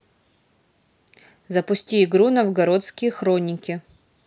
запусти игру новгородские хроники